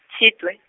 Tshitwe.